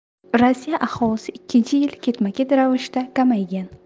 rossiya aholisi ikkinchi yil ketma ket ravishda kamaygan